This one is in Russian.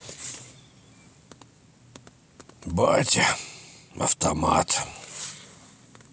батя автомат